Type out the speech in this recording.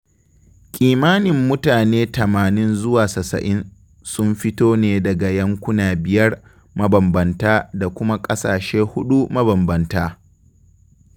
Kimanin mutane 80 zuwa 90 sun fito ne daga yankuna 5 mabambanta da kuma ƙasashe 4 mabambanta.